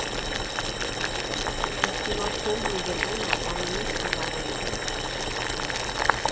Իսկ հիմա փողն ու գռդոնը ամեն ինչ սվաղել են։